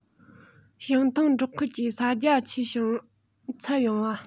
བྱང ཐང འབྲོག ཁུལ གྱི ས རྒྱ ཆེ ཞིང ཚད ཡངས པ